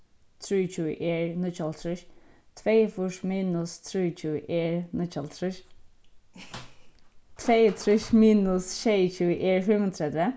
trýogtjúgu er níggjuoghálvtrýss tveyogfýrs minus trýogtjúgu er níggjuoghálvtrýss tveyogtrýss minus sjeyogtjúgu er fimmogtretivu